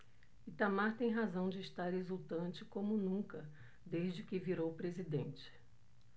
itamar tem razão de estar exultante como nunca desde que virou presidente